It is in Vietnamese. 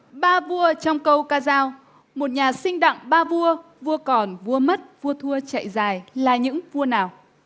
ba vua trong câu ca dao một nhà sinh đặng ba vua vua còn vua mất vua thua chạy dài là những vua nào